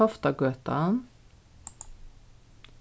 toftagøtan